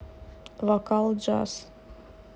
вокал джаз